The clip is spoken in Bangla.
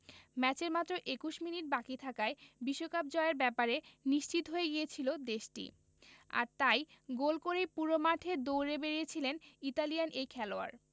ম্যাচের মাত্র ২১ মিনিট বাকি থাকায় বিশ্বকাপ জয়ের ব্যাপারে নিশ্চিত হয়ে গিয়েছিল দেশটি আর তাই গোল করেই পুরো মাঠ দৌড়ে বেড়িয়েছিলেন ইতালিয়ান এই খেলোয়াড়